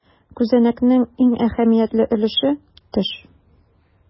Күзәнәкнең иң әһәмиятле өлеше - төш.